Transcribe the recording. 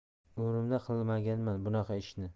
umrimda qilmaganman bunaqa ishni